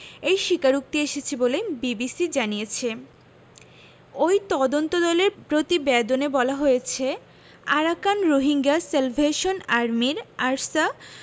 এই স্বীকারোক্তি এসেছে বলে বিবিসি জানিয়েছে ওই তদন্তদলের প্রতিবেদনে বলা হয়েছে আরাকান রোহিঙ্গা স্যালভেশন আর্মির আরসা